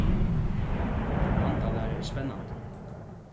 landalæra er spennandi